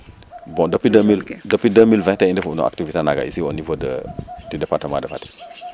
bon depuis 2020 te i ndefu no activité naga ici au nivau de du département de Fatick